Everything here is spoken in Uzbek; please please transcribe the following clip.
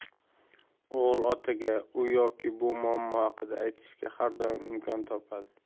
o'g'il otaga u yoki bu muammo haqida aytishga har doim imkon topadi